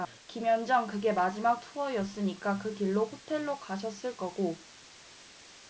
김현정 그게 마지막 투어였으니까 그 길로 호텔로 가셨을 거고